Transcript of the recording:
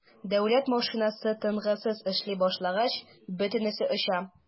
Дәүләт машинасы тынгысыз эшли башлагач - бөтенесе оча.